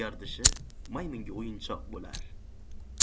gardishi maymunga o'yinchoq bo'lar